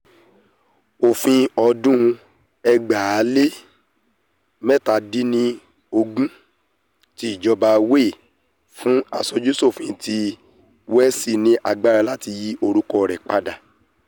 Òfin ọdún 2017 ti Ìjọba Wales fún Aṣojú-ṣòfin ti Welsh ni agbára láti yi orúkọ rẹ padà.